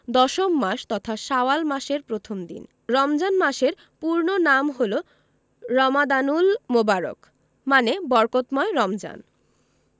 দশম মাস তথা শাওয়াল মাসের প্রথম দিন রমজান মাসের পূর্ণ নাম হলো রমাদানুল মোবারক মানে বরকতময় রমজান